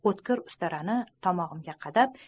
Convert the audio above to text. o'tkir ustarani tomog'imga qadab